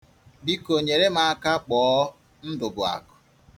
Biko, nyere m aka kpọọ Ndụ̀bụ̀àkụ̀.